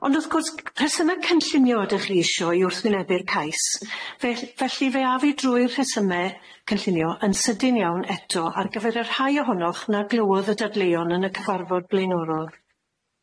Ond wrth gwrs rhesyme cynllunio ydych chi isio i wrthwynebu'r cais fell- felly fe a fi drwy'r rhesyme cynllunio yn sydyn iawn eto ar gyfer y rhai ohonoch na glywodd y dadleuon yn y cyfarfod blaenorol.